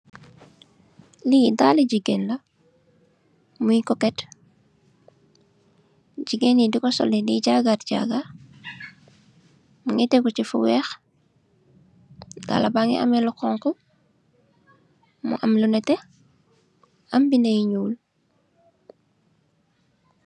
Lii daali jigeen la, muy koket, jigeeni diko solee di jaagar jaaga, mungi tegu chi fu weeh, daala baangi ameh lu xonxu, mu am lu neteh, am binda yu ñuul.